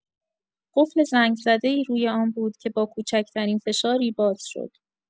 قفل زنگ‌زده‌ای روی آن بود که با کوچک‌ترین فشاری باز شد.